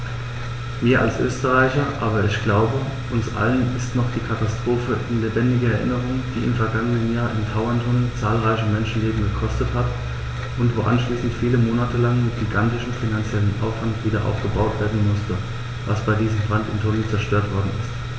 Mir als Österreicher, aber ich glaube, uns allen ist noch die Katastrophe in lebendiger Erinnerung, die im vergangenen Jahr im Tauerntunnel zahlreiche Menschenleben gekostet hat und wo anschließend viele Monate lang mit gigantischem finanziellem Aufwand wiederaufgebaut werden musste, was bei diesem Brand im Tunnel zerstört worden ist.